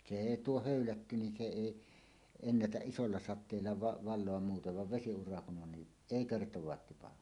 se ei tuo höylätty niin se ei ennätä isolla sateella - valua muuten vaan vesiura kun on niin ei kertaakaan tipahda